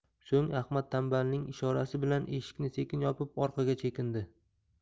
so'ng ahmad tanbalning ishorasi bilan eshikni sekin yopib orqaga chekindi